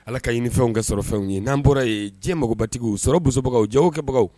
Ala ka ɲinifɛnw kɛ sɔrɔ fɛnw ye n'an bɔra ye diɲɛ magobatigiw sɔrɔ bobagaw ja kɛbagaw